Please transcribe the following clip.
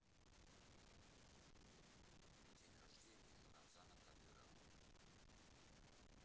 день рождения рамзана кадырова